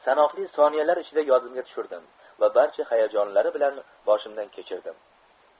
sanoqli soniyalar ichida yodimga tushirdim va barcha hayajonlari bilan boshimdan kechirdim